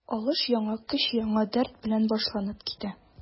Алыш яңа көч, яңа дәрт белән башланып китә.